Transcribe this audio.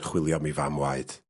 ...chwilio am 'i fam waed.